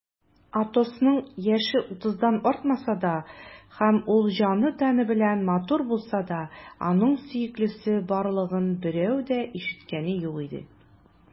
Атосның яше утыздан артмаса да һәм ул җаны-тәне белән матур булса да, аның сөеклесе барлыгын берәүнең дә ишеткәне юк иде.